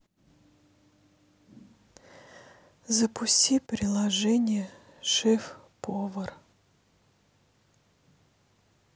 запусти приложение шеф повар